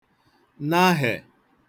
nahè